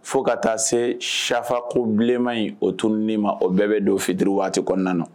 Fo ka taa se safa ko bilenma in o tunununi ma o bɛɛ bɛ don fitiri waati kɔnɔna na